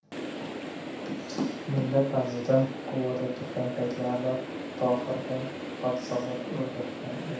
mulla fazliddin quvada turgan paytlarida tohirga xatsavod o'rgatgan edi